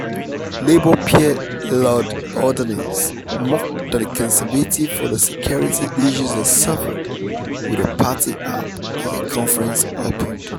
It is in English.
Labour peer Lord Adonis mocked the Conservatives for the security issues they suffered with a party app as the conference opened.